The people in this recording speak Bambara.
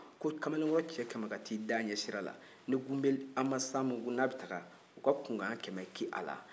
ko kamalenkɔrɔ cɛ kɛmɛ ka taa i da a ɲɛ sira la ni gunbeli sanba hako n'a bɛɛ taa u ka kunkan ɲɛ kɛmɛ ci a la